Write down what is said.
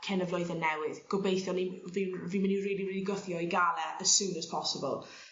cyn y flwyddyn newydd gobeithio ni fi fi'n myn' i rili rili gwthio i ga'l e as soon as possible